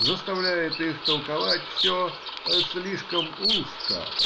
заставляет их толковать все. слишком узко.